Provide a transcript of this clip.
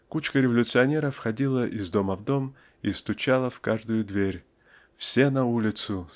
--Кучка революционеров ходила из дома в дом и стучала в каждую дверь "Все на улицу!